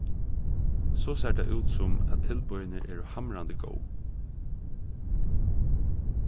so sær tað út sum at tilboðini eru hamrandi góð